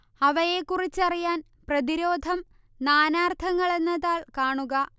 അവയെക്കുറിച്ചറിയാൻ പ്രതിരോധം നാനാർത്ഥങ്ങൾ എന്ന താൾ കാണുക